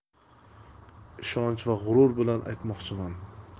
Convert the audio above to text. ishonch va g'urur bilan aytmoqchiman